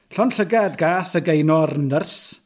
Llond llygad gaeth y Gaenor - nyrs.